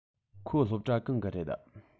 ཁོ སློབ གྲྭ གང གི རེད